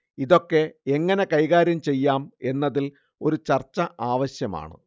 ഇതൊക്കെ എങ്ങനെ കൈകാര്യം ചെയ്യാം എന്നതിൽ ഒരു ചർച്ച ആവശ്യമാണ്